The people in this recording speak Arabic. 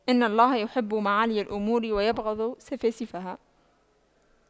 إن الله يحب معالي الأمور ويبغض سفاسفها